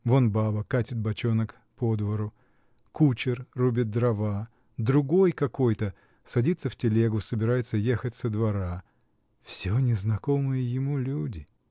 Вон баба катит бочонок по двору, кучер рубит дрова, другой какой-то садится в телегу, собирается ехать со двора: всё незнакомые ему люди.